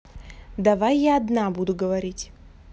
давай я одна буду говорить